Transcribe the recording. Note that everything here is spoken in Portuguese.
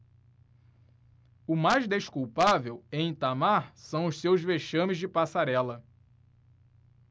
o mais desculpável em itamar são os seus vexames de passarela